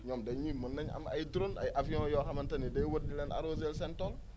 ñoom dañuy mën nañu am ay drônes ay avions : fra xamante ni day wër di leen arrosé seen tool